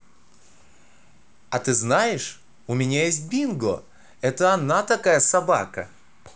а ты знаешь у меня есть bingo это она такая собака